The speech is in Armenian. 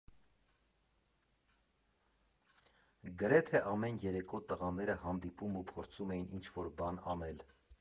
Գրեթե ամեն երեկո տղաները հանդիպում ու փորձում էին ինչ֊որ բան անել։